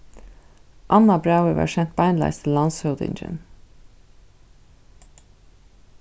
annað brævið varð sent beinleiðis til landshøvdingin